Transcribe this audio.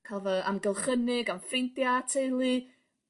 ...Ca'l fy amgylchynu gan ffrindia a teulu.